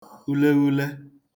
uleghule